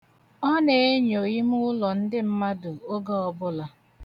Ọ na-enyo ime ụlọ ndị mmadụ oge ọbụla.